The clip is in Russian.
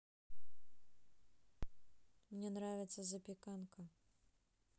мне нравится запеканка